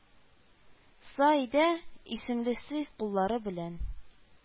Са идә исемлесе куллары белән